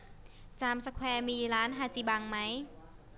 จามสแควร์มีร้านฮาจิบังไหม